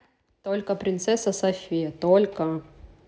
только принцесса софия только